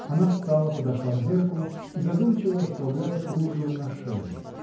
Она встала, подошла к зеркалу и задумчиво расправляла кружево на шее.